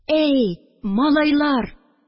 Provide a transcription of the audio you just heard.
Әй малайлар